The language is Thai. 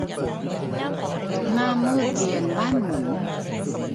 หน้ามืดเวียนบ้านหมุน